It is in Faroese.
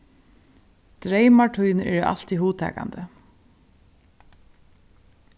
dreymar tínir eru altíð hugtakandi